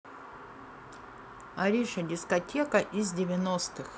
ариша дискотека из девяностых